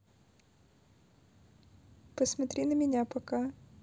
посмотри на меня пока